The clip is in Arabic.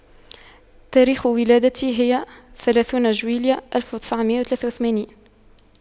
تاريخ ولادتي هي ثلاثون جويلية ألف وتسعمئة وثلاثة وثمانين